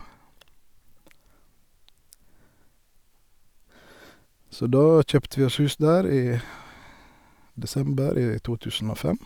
Så da kjøpte vi oss hus der i desember i to tusen og fem.